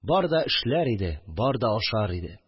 Бар да эшләр иде, бар да ашар иде